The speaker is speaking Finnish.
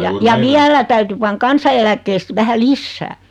ja ja vielä täytyi panna kansaneläkkeestä vähän lisää